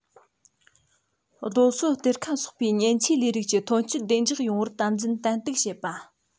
རྡོ སོལ གཏེར ཁ སོགས པའི ཉེན ཆེའི ལས རིགས ཀྱི ཐོན སྐྱེད བདེ འཇགས ཡོང བར དམ འཛིན ཏན ཏིག བྱེད པ